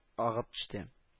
Агып төште